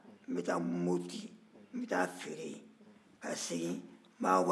n bɛ ta'a feere yen ka segin n b'a wari don jɛgɛ la